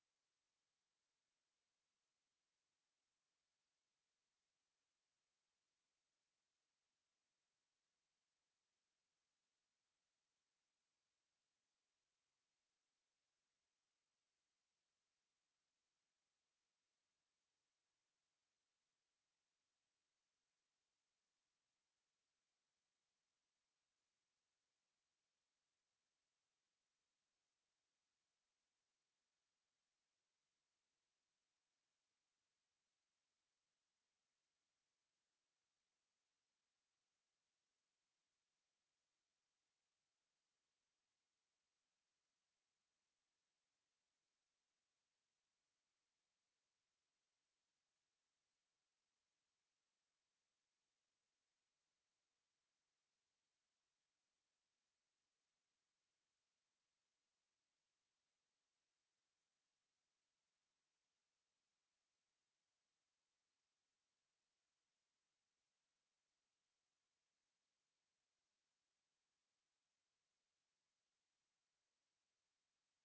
*